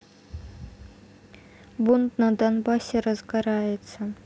бунт на донбассе разгорается